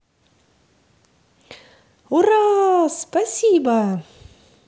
ура спасибо